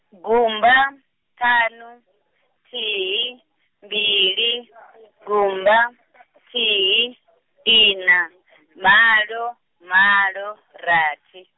gumba, ṱhanu, thihi, mbili, gumba, thihi, ina, malo, malo, rathi.